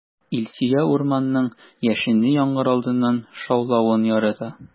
Илсөя урманның яшенле яңгыр алдыннан шаулавын ярата.